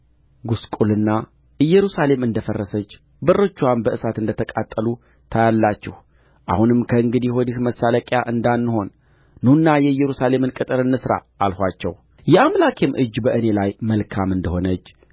ጕስቍልና ኢየሩሳሌም እንደ ፈረሰች በሮችዋም በእሳት እንደ ተቃጠሉ ታያላችሁ አሁንም ከእንግዲህ ወዲህ መሳለቂያ እንዳንሆን ኑና የኢየሩሳሌምን ቅጥር እንሥራ አልኋቸው የአምላኬም እጅ በእኔ ላይ መልካም እንደሆነች